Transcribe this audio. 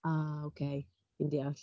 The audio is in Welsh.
A ok. Dwi'n deall.